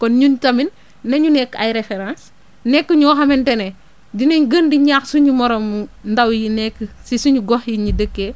kon ñun tamit na ñu nekk ay références nekk ñoo xamante ne dinañ gën di ñaax suñu moromu ndaw yi nekk si suñu gox yi ñu dëkkee